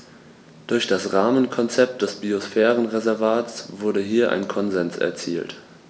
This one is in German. Durch das Rahmenkonzept des Biosphärenreservates wurde hier ein Konsens erzielt.